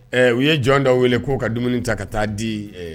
Ɛ u ye jɔn dɔ wele k'o ka dumuni ta ka taa di